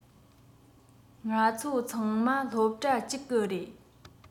ང ཚོ ཚང མ སློབ གྲྭ གཅིག གི རེད